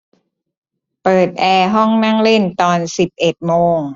เปิดแอร์ห้องนั่งเล่นตอนสิบเอ็ดโมง